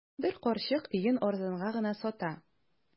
Бер карчык өен арзанга гына сата.